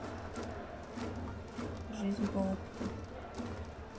жизнь по опыту